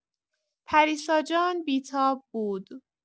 پریسا جان بی‌تاب بود.